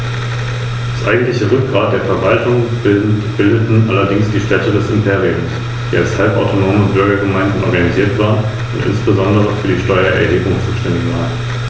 Handel, Künste und Kultur erreichten während der Zeit des Römischen Reiches, vor allem in der Kaiserzeit, in Teilen seines Gebietes eine Hochblüte, die damalige Lebensqualität und der entsprechende Bevölkerungsstand sollten in Europa und Nordafrika erst Jahrhunderte später wieder erreicht werden.